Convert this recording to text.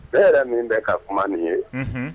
E yɛrɛ min bɛ ka kuma min ye, unhun.